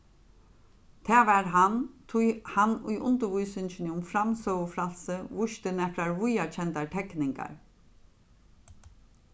tað varð hann tí hann í undirvísingini um framsøgufrælsi vísti nakrar víðakendar tekningar